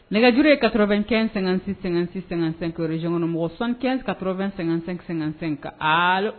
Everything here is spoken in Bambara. Nɛgɛjuru ye 95 56 56 55 o ye région kɔnɔmɔgɔw ye 75 80 55 55 allo